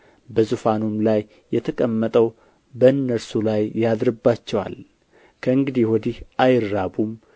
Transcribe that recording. በዙፋኑም ላይ የተቀመጠው በእነርሱ ላይ ያድርባቸዋል ከእንግዲህ ወዲህ አይራቡም